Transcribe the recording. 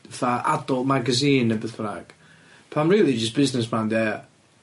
fatha adult magazine ne' beth bynnag, pan rili jyst business man 'di o ia.